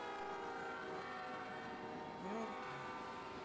мертвый